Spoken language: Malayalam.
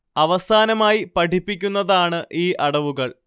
അവസാനമായി പഠിപ്പിക്കുന്നതാണ് ഈ അടവുകൾ